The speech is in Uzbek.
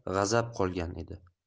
g'azab qolgan edi